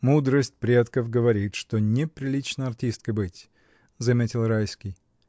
— Мудрость предков говорит, что неприлично артисткой быть! — заметил Райский.